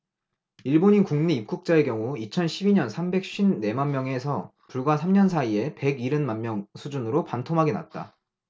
일본인 국내 입국자의 경우 이천 십 이 년 삼백 쉰 네 만명에서 불과 삼 년 사이에 백 일흔 만명 수준으로 반토막이 났다